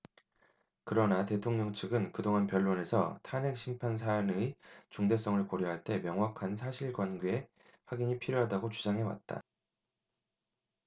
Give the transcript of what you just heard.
그러나 대통령 측은 그동안 변론에서 탄핵심판 사안의 중대성을 고려할 때 명확한 사실관계 확인이 필요하다고 주장해왔다